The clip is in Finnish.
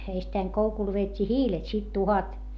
ensittäin koukulla vedettiin hiilet sitten tuhkat